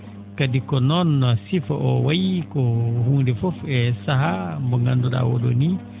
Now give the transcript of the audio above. kadi ko noon sifa oo wayi ko hunnde fof e saaha mo nganndu?aa oo ?oo nii